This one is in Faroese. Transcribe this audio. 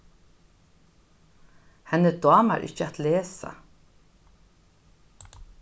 henni dámar ikki at lesa